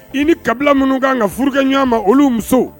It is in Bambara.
I ni kabila minnu kan ka furakɛkɛ ɲɔgɔn ma olu muso